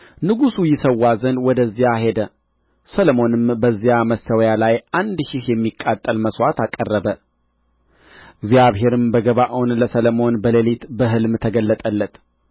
ንጉሡ ይሠዋ ዘንድ ወደዚያ ሄደ ሰሎሞንም በዚያ መሠዊያ ላይ አንድ ሺህ የሚቃጠል መሥዋዕት አቀረበ እግዚአብሔርም በገባዖን ለሰሎሞን በሌሊት በሕልም ተገለጠለት